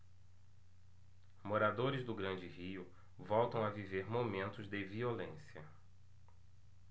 moradores do grande rio voltam a viver momentos de violência